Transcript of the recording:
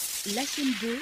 Lafin don